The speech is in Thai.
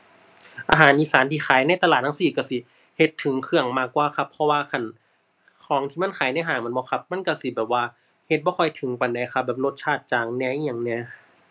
อาหารอีสานที่ขายในตลาดจั่งซี้ก็สิเฮ็ดถึงเครื่องมากกว่าครับ เพราะว่าคันของที่มันขายในห้างแม่นบ่ครับ มันก็สิแบบว่าเฮ็ดบ่ค่อยถึงปานใดครับ รสชาติจางแหน่ อิหยังแหน่